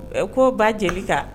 Ɛ ko ba jeli kan